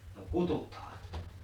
no kutsutaan